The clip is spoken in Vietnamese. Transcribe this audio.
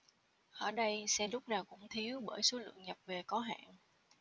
ở đây xe lúc nào cũng thiếu bởi số lượng nhập về có hạn